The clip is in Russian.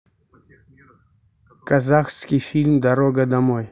казахский фильм дорога домой